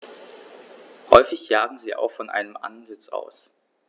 Häufig jagen sie auch von einem Ansitz aus.